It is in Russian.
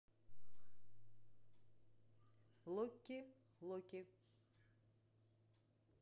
локки локи